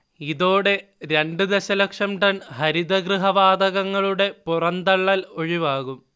ഇതോടെ രണ്ടു ദശലക്ഷം ടൺ ഹരിതഗൃഹ വാതകങ്ങളുടെ പുറന്തള്ളൽ ഒഴിവാകും